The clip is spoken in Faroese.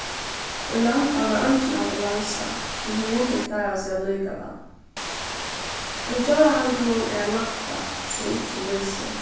í lamba var eingin ambulansa men hon mundi klárað seg allíkavæl í djórahandlinum er ein lampa sum ikki lýsir